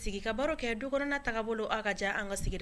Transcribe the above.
Sigika baroro kɛ don kɔnɔna taga bolo a ka jan an ka sigi